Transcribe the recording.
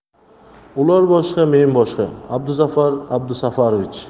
ular boshqa men boshqa abduzafar abdusafarovich